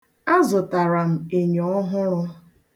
Azụtara m enyo ọhụrụ.